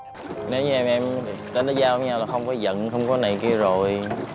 nẫy giờ em em tin đã giao với nhau là không có giận không có này kia rồi